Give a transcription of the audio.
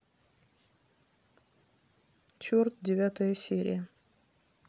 черт девятая серия